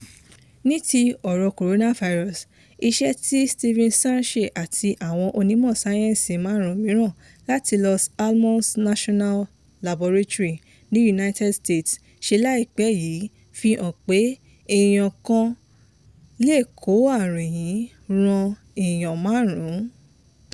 Ní ti ọ̀rọ̀ coronavirus, iṣẹ́ tí Steven Sanche àti àwọn onímọ̀ sáyẹ́ńsì márùn-ún míràn láti Los Alamos National Laboratory ni United States ṣe láìpé yìí fi hàn pé eèyàn kan lè kó aàrùn yìí ran eèyan márùn-ún.